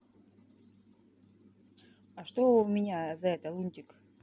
а что у меня за это лунтик